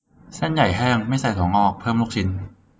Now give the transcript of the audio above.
เส้นใหญ่แห้งไม่ใส่ถั่วงอกเพิ่มลูกชิ้น